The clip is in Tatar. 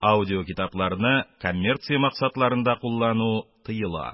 Аудиокитапларны коммерция максатларында файдалану тыелган